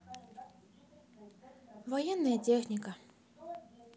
военная техника